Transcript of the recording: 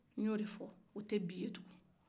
n y'o de fɔ o tɛ bi ye tugunni